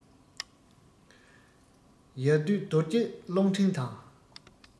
ཡ བདུད རྡོ རྗེ གློག ཕྲེང དང